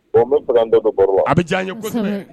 Bon n b'a f ka n da don baro la a bɛ diyan ye kosɛbɛ